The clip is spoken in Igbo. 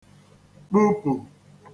kpupù